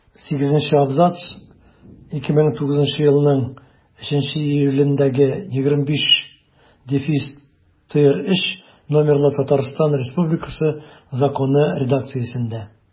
Сигезенче абзац 2009 елның 3 июлендәге 25-ТРЗ номерлы Татарстан Республикасы Законы редакциясендә.